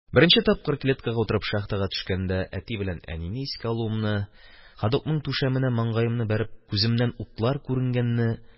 Беренче тапкыр клетка утырып шахтага төшкәндә әти белән әнине искә алуымны, ходокның түшәменә маңгаемны бәреп күземнән утлар күренгәнне,